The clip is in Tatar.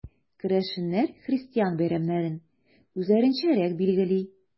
Керәшеннәр христиан бәйрәмнәрен үзләренчәрәк билгели.